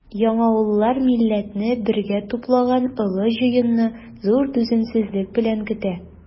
Яңавыллар милләтне бергә туплаган олы җыенны зур түземсезлек белән көтә.